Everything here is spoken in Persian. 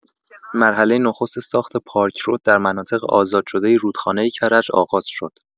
مرحله نخست ساخت پارک رود در مناطق آزاد شده رودخانه کرج آغاز شد.